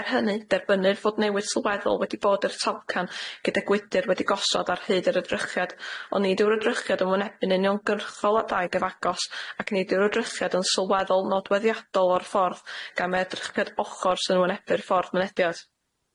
Er hynny derbynnir fod newid sylweddol wedi bod i'r talcan gyda gwydyr wedi gosod ar hyd yr edrychiad ond nid yw'r edrychiad yn wynebu'n uniongyrchol adeg efo agos ac nid yw'r edrychiad yn sylweddol nodweddiadol o'r ffordd gan edrychiad ochor sy'n wynebu'r ffordd mynediad.